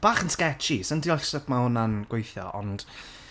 Bach yn sketchy, sai'n deall sut ma' hwna'n gweithio, ond...